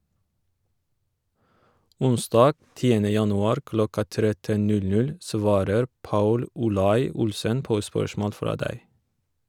Onsdag 10. januar klokka 13.00 svarer Paul Olai Olssen på spørsmål fra deg.